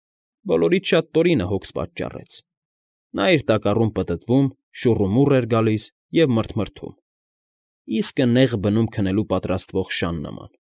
Բոլորից շատ Տորինը հոգս պատճառեց. նա իր տակառում պտտվում, շուռումուռ էր գալիս ու մռթմռթում՝ իսկը նեղ բնում քնելու պատրաստվող շան նման։